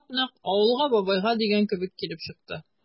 Хат нәкъ «Авылга, бабайга» дигән кебек килеп чыкты.